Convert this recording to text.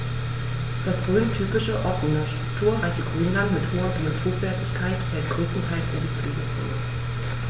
Das rhöntypische offene, strukturreiche Grünland mit hoher Biotopwertigkeit fällt größtenteils in die Pflegezone.